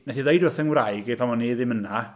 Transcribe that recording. Wnaeth hi ddweud wrth y ngwraig i pan o'n i ddim yna.